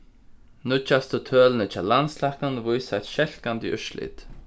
nýggjastu tølini hjá landslæknanum vísa eitt skelkandi úrslit